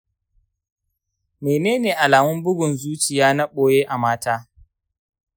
menene alamun bugun zuciya na ɓoye a mata?